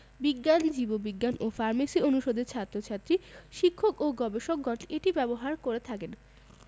বিজ্ঞান জীববিজ্ঞান ও ফার্মেসি অনুষদের ছাত্রছাত্রী শিক্ষক ও গবেষকগণ এটি ব্যবহার করে থাকেন